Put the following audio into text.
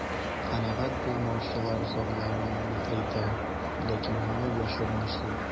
Канәгать булмаучылар зарларын әйтә, ләкин моны яшерен эшли.